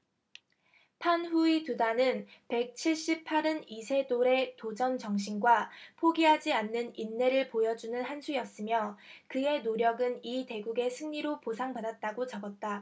판후이 두 단은 백 칠십 팔 은 이세돌의 도전정신과 포기하지 않는 인내를 보여주는 한 수였으며 그의 노력은 이 대국의 승리로 보상받았다고 적었다